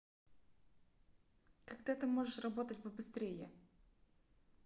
когда ты можешь работать побыстрее